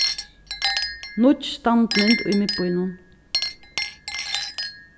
nýggj standmynd í miðbýnum